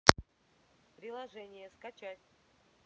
приложение скачать